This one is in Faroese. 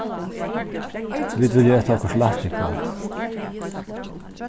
vit vilja eta okkurt lætt í kvøld